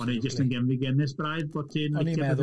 O'n i jyst yn gefnogi gemes braidd bod ti'n O'n i'n meddwl.